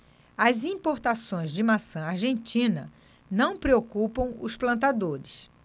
as importações de maçã argentina não preocupam os plantadores